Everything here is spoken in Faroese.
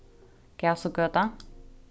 gæsugøta